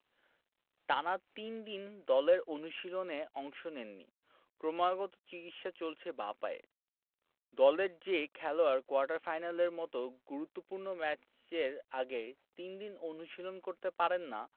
টানা তিন দিন দলের অনুশীলনে অংশ নেননি ক্রমাগত চিকিৎসা চলছে বাঁ পায়ে দলের যে খেলোয়াড় কোয়ার্টার ফাইনালের মতো গুরুত্বপূর্ণ ম্যাচের আগে তিন দিন অনুশীলন করতে পারেন না